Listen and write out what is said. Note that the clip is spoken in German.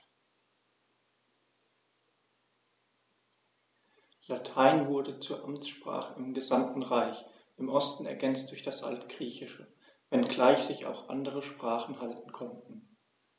Latein wurde zur Amtssprache im gesamten Reich (im Osten ergänzt durch das Altgriechische), wenngleich sich auch andere Sprachen halten konnten.